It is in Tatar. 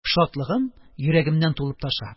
Шатлыгым йөрәгемнән тулып таша.